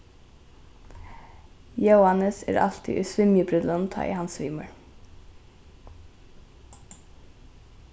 jóhannes er altíð í svimjibrillum tá ið hann svimur